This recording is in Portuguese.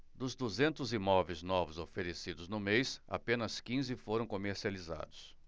dos duzentos imóveis novos oferecidos no mês apenas quinze foram comercializados